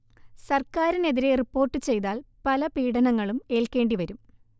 സർക്കാരിനെതിരെ റിപ്പോർട്ട് ചെയ്താൽ പല പീഡനങ്ങളും ഏൽക്കേണ്ടിവരും